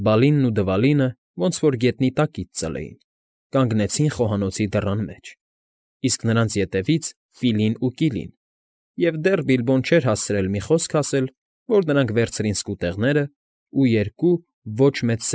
Բալինն ու Դվալինը, ոնց որ գետնի տակից ծլեին, կանգնեցին խոհանոցի դռան մեջ, իսկ նրանց ետևից Ֆիլին ու Կիլին, և դեռ Բիլբոն չէր հասցրել մի խոսք ասել, որ նրանք վերցրին սկուտեղներն ու երկու ոչ մեծ։